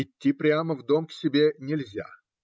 Идти прямо в дом к себе нельзя